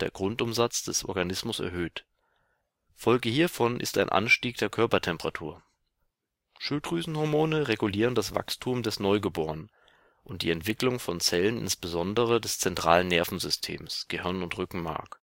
Grundumsatz des Organismus erhöht. Folge hiervon ist ein Anstieg der Körpertemperatur. Schilddrüsenhormone regulieren das Wachstum des Neugeborenen und die Entwicklung von Zellen insbesondere des zentralen Nervensystems (Gehirn und Rückenmark